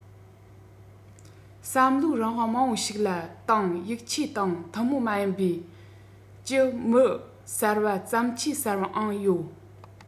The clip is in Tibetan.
བསམ བློའི རང དབང མང པོ ཞིག ལ དང ཡིག ཆས དང ཐུན མོང མ ཡིན པའི ཀྱི མི གསར པ བརྩམས ཆོས གསར པའང ཡོད